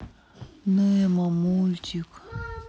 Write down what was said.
немо мультик